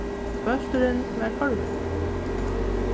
bólturin var horvin